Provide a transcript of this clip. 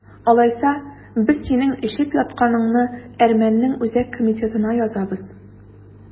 Алайса, без синең эчеп ятканыңны әрмәннең үзәк комитетына язабыз!